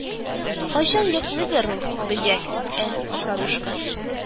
Кайчан йоклыйдыр ул бөҗәк, ә, Макарушка